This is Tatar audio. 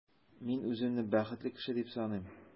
Мин үземне бәхетле кеше дип саныйм.